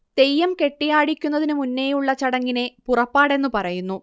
തെയ്യം കെട്ടിയാടിക്കുന്നതിനുമുന്നേയുള്ള ചടങ്ങിനെ പുറപ്പാടെന്ന് പറയുന്നു